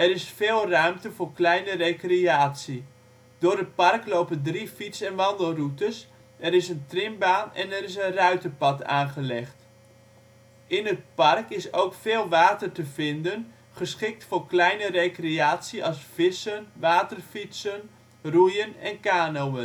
is veel ruimte voor kleine recreatie. Door het park lopen drie fiets - en wandelroutes, er is een trimbaan en er is een ruiterpad aangelegd. In het park is ook veel water te vinden, geschikt voor kleine recreatie als vissen, waterfietsen, roeien en kanoën